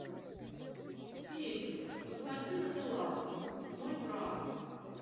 песня константина меладзе мой брат